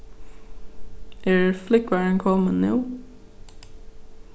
er flúgvarin komin nú